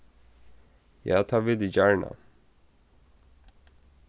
ja tað vil eg gjarna